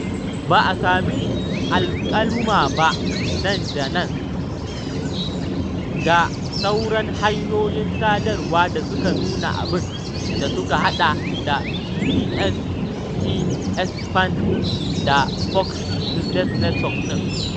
Ba a sami alƙaluma ba nan da nan ga sauran hanyoyin sadarwa da suka nuna abin, da suka haɗa da PBS, C-SPAN da Fox Business Network ɗin.